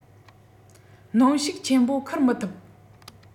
གནོན ཤུགས ཆེན པོ འཁུར མི ཐུབ